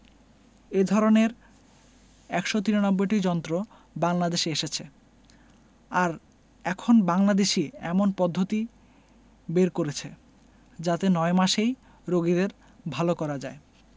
এ ধরনের ১৯৩টি যন্ত্র বাংলাদেশে এসেছে আর এখন বাংলাদেশই এমন পদ্ধতি বের করেছে যাতে ৯ মাসেই রোগীদের ভালো করা যায়